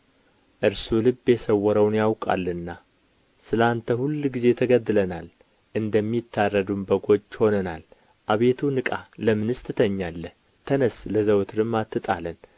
እርሱ ልብ የሰወረውን ያውቃልና ስለ አንተ ሁልጊዜም ተገድለናል እንደሚታረዱም በጎች ሆነናል አቤቱ ንቃ ለምንስ ትተኛለህ ተነሥ ለዘወትርም አትጣለን